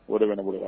O de bɛ ne bolo la